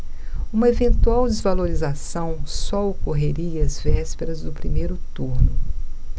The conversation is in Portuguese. uma eventual desvalorização só ocorreria às vésperas do primeiro turno